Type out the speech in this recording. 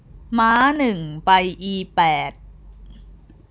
ม้าหนึ่งไปอีแปด